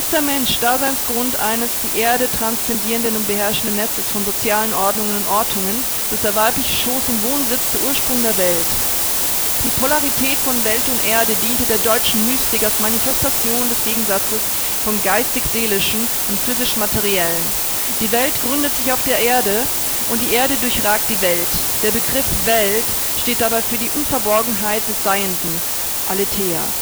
der Mensch Daseinsgrund eines die „ Erde “transzendierenden und beherrschenden Netzes von sozialen Ordnungen und Ortungen, so ist der weibliche Schoß im Wortsinn der „ Ursprung der Welt “. Die „ Polarität von Welt und Erde “diente der deutschen Mystik als Manifestation des Gegensatzes von „ Geistig-Seelischem “und „ Physisch-Materiellem “. Die Welt gründet sich auf die Erde und die Erde durchragt die Welt. Der Begriff „ Welt “steht dabei für die „ Unverborgenheit des Seienden “(Aletheia